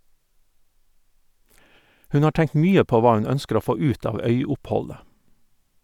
Hun har tenkt mye på hva hun ønsker å få ut av øyoppholdet.